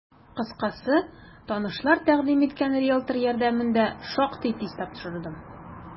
Кыскасы, танышлар тәкъдим иткән риелтор ярдәмендә шактый тиз тапшырдым.